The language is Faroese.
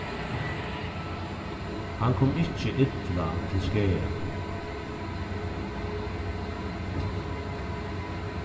hann kom ikki illa til skaða